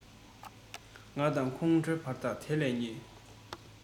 ང དང ཁོང ཁྲོའི བར ཐག དེ ལས ཉེ